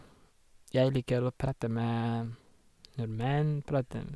Jeg liker å prate med nordmenn, prate m...